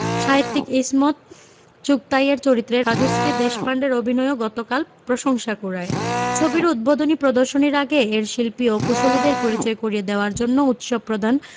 সাহিত্যিক ইসমত চুগতাইয়ের চরিত্রে রাজশ্রী দেশপান্ডের অভিনয়ও গতকাল প্রশংসা কুড়ায় ছবির উদ্বোধনী প্রদর্শনীর আগে এর শিল্পী ও কুশলীদের পরিচয় করিয়ে দেওয়ার জন্য উৎসব প্রধান